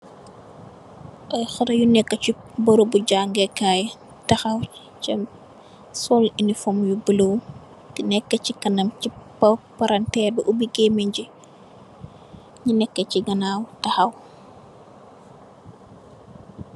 Ay xale yuu nekka bor bi jangekaay, taxaw sol unifom yuu bulo. Ku nekka ci kannam ci paranterr bi oubi gaymen bi yu nekka ci ganaw taxaw.